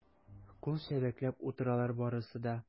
Кул чәбәкләп утыралар барысы да.